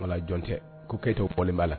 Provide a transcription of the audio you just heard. Jɔn tɛ ko keyitaw fɔlen b'a la